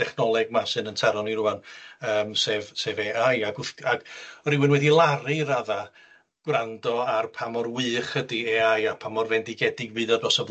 dechnoleg 'ma sy'n 'yn taro ni rŵan yym sef sef Ay I Ac w'th ag o' rywun wedi laru i radda gwrando ar pa mor wych ydi Ay I a pa mor fendigedig fydd o dros y